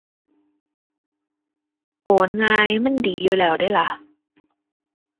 โอนง่าย มันดีอยู่แล้วเดะล่ะ